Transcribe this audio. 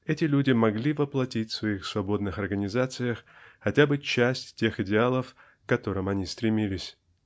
эти люди могли воплотить в своих свободных организациях хоть часть тех идеалов к которым они стремились.